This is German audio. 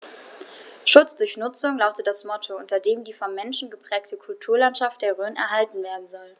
„Schutz durch Nutzung“ lautet das Motto, unter dem die vom Menschen geprägte Kulturlandschaft der Rhön erhalten werden soll.